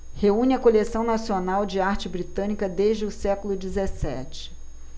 reúne a coleção nacional de arte britânica desde o século dezessete